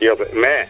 iyo koy mee